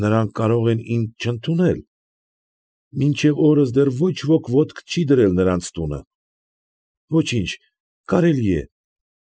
Նրանք կարող են ին ձ չընդունել։ Մինչև օրս դեռ ոչ ոք ոտ չի դրել նրանց տունը։ ֊ Ոչինչ, կարելի է։